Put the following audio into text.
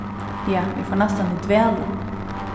ja eg fór næstan í dvala